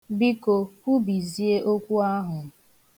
Biko, kwubizie okwu ahụ.